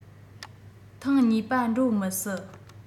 ཐེངས གཉིས པ འགྲོ མི སྲིད